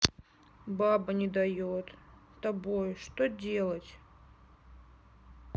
баба не дает тобой что делать